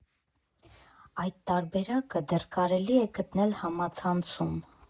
Այդ տարբերակը դեռ կարելի է գտնել համացանցում։